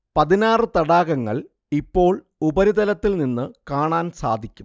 പതിനാറ് തടാകങ്ങൾ ഇപ്പോൾ ഉപരിതലത്തിൽ നിന്ന് കാണാൻ സാധിക്കും